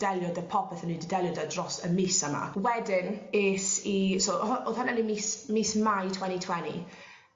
delio 'dy popeth o'n i 'di delio 'dy dros y mis yma wedyn es i so o' hw- o'dd hwnna'n in mis mis Mai tweny tweny